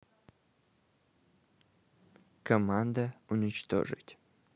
команда уничтожить